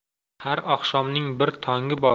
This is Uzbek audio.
har oqshomning bir tongi bor